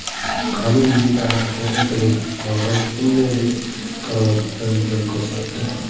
qani yigitali aka o'tiring davron shunday deb karavotdan joy ko'rsatdi